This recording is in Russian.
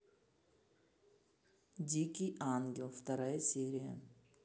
дикий ангел вторая серия